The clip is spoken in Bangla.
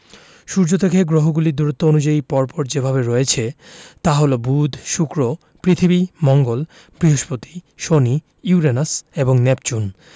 সূর্য থেকে গ্রহগুলো দূরত্ব অনুযায়ী পর পর যেভাবে রয়েছে তা হলো বুধ শুক্র পৃথিবী মঙ্গল বৃহস্পতি শনি ইউরেনাস এবং নেপচুন